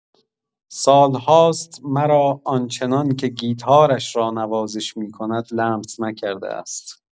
سال‌ها است مرا آن‌چنان که گیتارش را نوازش می‌کند لمس نکرده است.